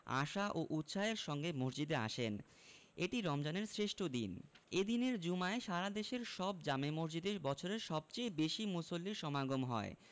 আশা ও উৎসাহের সঙ্গে মসজিদে আসেন এটি রমজানের শ্রেষ্ঠ দিন এ দিনের জুমায় সারা দেশের সব জামে মসজিদে বছরের সবচেয়ে বেশি মুসল্লির সমাগম হয়